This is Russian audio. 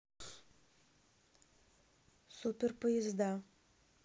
супер поезда